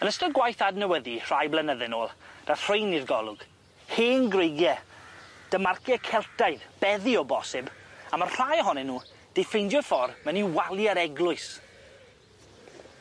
Yn ystod gwaith adnewyddu rhai blynydde nôl dath rhein i'r golwg, hen greigie, 'dy marcie Celtaidd, beddi o bosib, a ma' rhai ohonyn nw 'di ffeindio ffor' mewn i walie'r eglwys.